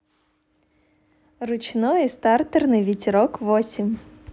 ручной стартерный ветерок восемь